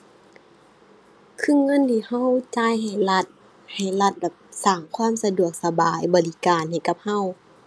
คือเงินที่เราจ่ายให้รัฐ ให้รัฐแบบ สร้างความสะดวกสบายบริการให้กับเรา